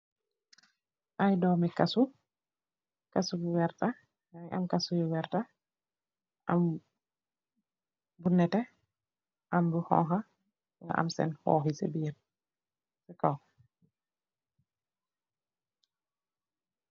Ay doomi kassu, kassu bu werta, am bu neteh, am bu xonxa nga am sèèn xoox yi si biir.